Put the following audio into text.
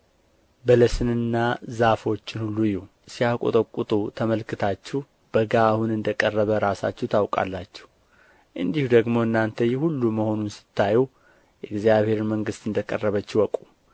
በለስንና ዛፎችን ሁሉ እዩ ሲያቈጠቍጡ ተመልክታችሁ በጋ አሁን እንደ ቀረበ ራሳችሁ ታውቃላችሁ እንዲሁ ደግሞ እናንተ ይህ ሁሉ መሆኑን ስታዩ የእግዚአብሔር መንግሥት እንደ ቀረበች እወቁ